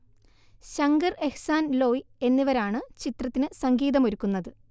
ശങ്കർ എഹ്സാൻ ലോയ് എന്നിവരാണ് ചിത്രത്തിന് സംഗീതമൊരുക്കുന്നത്